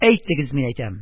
Әйтегез, мин әйтәм: